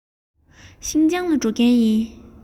ཤིན ཅང ལ འགྲོ མཁན ཡིན